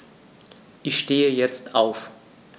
Ich stehe jetzt auf.